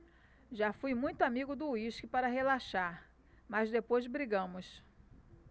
já fui muito amigo do uísque para relaxar mas depois brigamos